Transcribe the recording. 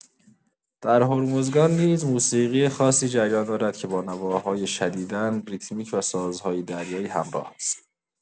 در هرمزگان نیز موسیقی خاصی جریان دارد که با نواهای شدیدا ریتمیک و سازهای دریایی همراه است.